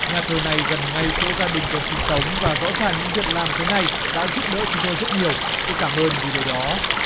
nhà thờ này gần ngay chỗ gia đình tôi sinh sống và rõ ràng những việc làm thế này đã giúp đỡ chúng tôi rất nhiều tôi cảm ơn vì điều đó